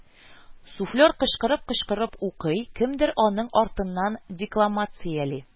Суфлер кычкырып-кычкырып укый, кемдер аның артыннан декламацияли